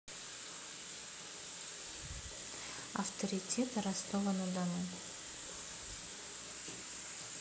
авторитеты ростова на дону